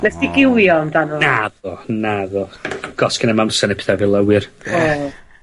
Nes ti giwio amdana fo? Naddo, naddo, 'c'os gennai'm amser neu' pethe fela wir! . O.